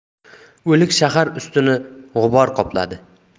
o'lik shahar ustini g'ubor qopladi